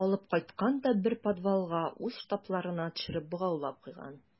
Алып кайткан да бер подвалга үз штабларына төшереп богаулап куйган.